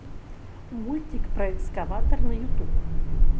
мультик про экскаватор на ютуб